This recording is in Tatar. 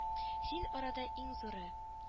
Син арада иң зуры